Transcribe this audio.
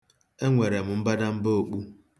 Enwere m mbadamba okpu.